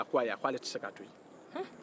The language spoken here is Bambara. a ko ayi k'ale tɛ se k'a to yen